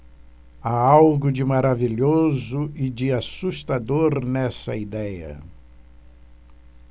há algo de maravilhoso e de assustador nessa idéia